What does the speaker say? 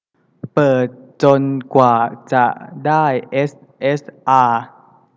เปิดจนกว่าจะได้เอสเอสอา